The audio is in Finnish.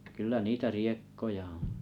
kyllä niitä riekkoja on